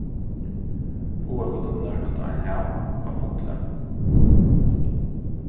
báðar gudinnurnar høvdu ein ham av fugli